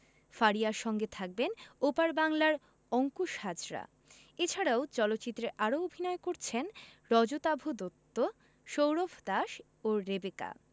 ফারিয়ার সঙ্গে থাকবেন ওপার বাংলার অংকুশ হাজরা এছাড়াও চলচ্চিত্রে আরও অভিনয় করেছেন রজতাভ দত্ত সৌরভ দাস ও রেবেকা